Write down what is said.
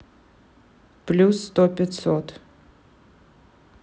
плюс сто пятьсот